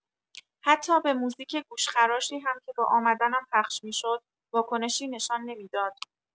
حتی به موزیک گوش‌خراشی هم که با آمدنم پخش می‌شد واکنشی نشان نمی‌داد.